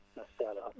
macha allah